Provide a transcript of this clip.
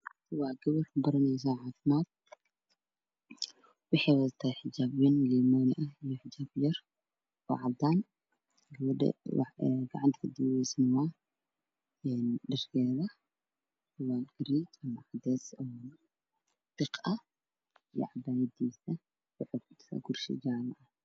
Waa gabar baranayso caafimaad waxay wadataa xijaab wayn iyo xijaab yar cadaan ah gabadha ay gacanta kaduubayso dharkeedu waa xijaab cadeys tiq ah iyo cabaayadiisa waxay kufadhisaa kursi jaale ah.